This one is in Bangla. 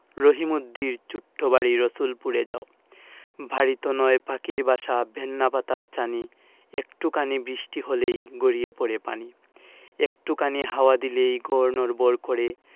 রহিমদ্দির ছোট্ট বাড়ি রসুলপুরে যাও বাড়িতো নয় পাখির বাসা ভেন্না পাতার ছানি একটু খানি বৃষ্টি হলেই গড়িয়ে পড়ে পানি একটু খানি হাওয়া দিলেই ঘর নড়বড় করে